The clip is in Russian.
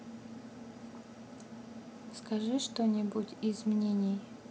скажи что нибудь из мнений